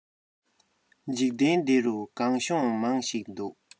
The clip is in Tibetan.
འཇིག རྟེན འདི རུ སྒང གཤོང མང ཞིག འདུག